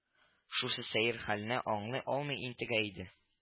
Шушы сәер хәлне аңлый алмый интегә иде